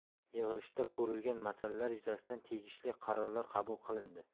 yig'ilishda ko'rilgan masalalar yuzasidan tegishli qarorlar qabul qilindi